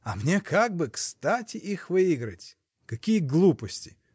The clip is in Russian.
А мне как бы кстати их выиграть! — Какие глупости!